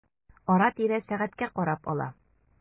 Ара-тирә сәгатькә карап ала.